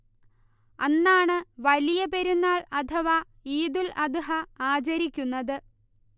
അന്നാണ് വലിയ പെരുന്നാൾ അഥവാ ഈദുൽ അദ്ഹ ആചരിയ്ക്കുന്നത്